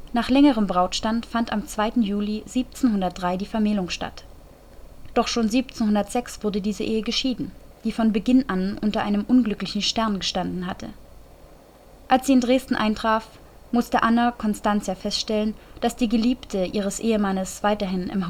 Nach längerem Brautstand fand am 2. Juli 1703 die Vermählung statt. Doch schon 1706 wurde diese Ehe geschieden, die von Beginn an unter einem unglücklichen Stern gestanden hatte. Als sie in Dresden eintraf, musste Anna Constantia feststellen, dass die Geliebte ihres Ehemannes weiterhin